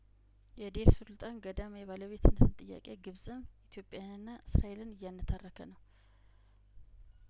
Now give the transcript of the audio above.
የዴር ሱልጣን ገዳም የባለቤትነት ጥያቄ ግብጽን ኢትዮጵያንና እስራኤልን እያነታረ ከነው